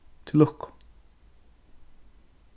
til lukku